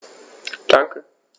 Danke.